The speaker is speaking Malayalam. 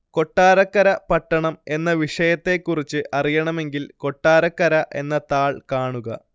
കൊട്ടാരക്കര പട്ടണം എന്ന വിഷയത്തെക്കുറിച്ച് അറിയണമെങ്കിൽ കൊട്ടാരക്കര എന്ന താൾ കാണുക